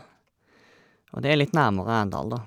Og det er litt nærmere Arendal, da.